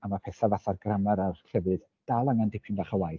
a ma' pethau fatha'r grammar ar llefydd dal angen dipyn bach o waith.